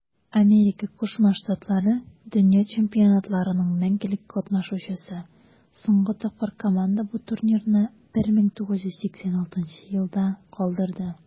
АКШ - дөнья чемпионатларының мәңгелек катнашучысы; соңгы тапкыр команда бу турнирны 1986 елда калдырды.